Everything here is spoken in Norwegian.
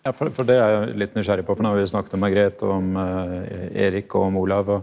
ja for det er jeg litt nysgjerrig på for nå har vi jo snakket om Margrete om Erik og Olav og.